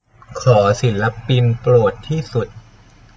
ขอศิลปินโปรดที่สุด